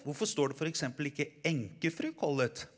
hvorfor står det f.eks. ikke enkefru Collett?